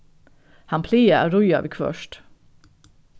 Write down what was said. hann plagar at ríða viðhvørt